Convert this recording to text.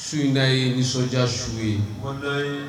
Su in na ye nisɔndiya su ye